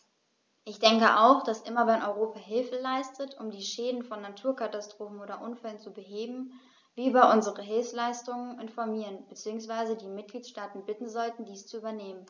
Ich denke auch, dass immer wenn Europa Hilfe leistet, um die Schäden von Naturkatastrophen oder Unfällen zu beheben, wir über unsere Hilfsleistungen informieren bzw. die Mitgliedstaaten bitten sollten, dies zu übernehmen.